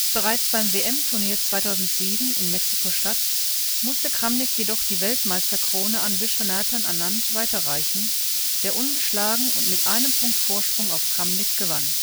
Bereits beim WM-Turnier 2007 in Mexiko-Stadt musste Kramnik jedoch die Weltmeisterkrone an Viswanathan Anand weiterreichen, der ungeschlagen und mit einem Punkt Vorsprung auf Kramnik gewann